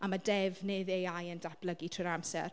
A ma' defnydd AI yn datblygu drwy'r amser.